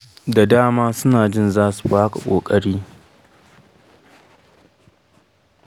Da dama suna jin za su fi haka ƙoƙari.